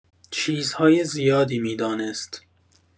چیزهای زیادی می‌دانست.